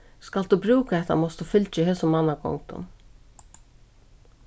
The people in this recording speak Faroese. skalt tú brúka hetta mást tú fylgja hesum mannagongdum